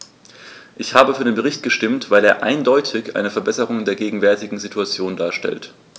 Ich habe für den Bericht gestimmt, weil er eindeutig eine Verbesserung der gegenwärtigen Situation darstellt.